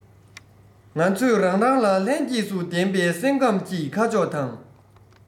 ང ཚོས རང རང ལ ལྷན སྐྱེས སུ ལྡན པའི སེམས ཁམས ཀྱི ཁ ཕྱོགས དང